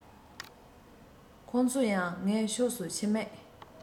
ཁོ ཚོ ཡང ངའི ཕྱོགས སུ ཕྱི མིག